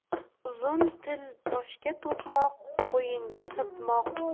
uzun til boshga to'qmoq bo'yinga sirtmoq